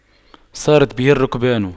سارت به الرُّكْبانُ